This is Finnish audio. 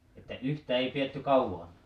että yhtä ei pidetty kauan